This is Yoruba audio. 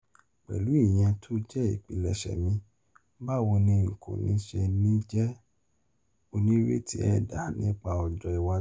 Pẹ̀lú ìyẹ́n tó jẹ́ ìpilẹ̀ṣẹ̀ mi, báwo ní n kò ṣe ní jẹ́ onírètí ẹ̀dà nípa ọjọ́ iwájú"